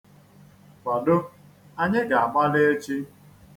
Kwado, anyị ga-agbala echi.